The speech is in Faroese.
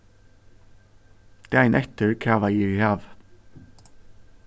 dagin eftir kavaði eg í havið